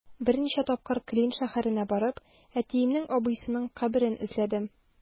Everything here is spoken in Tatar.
Берничә тапкыр Клин шәһәренә барып, әтиемнең абыйсының каберен эзләдем.